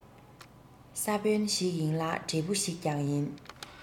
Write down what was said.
ས བོན ཞིག ཡིན ལ འབྲས བུ ཞིག ཀྱང ཡིན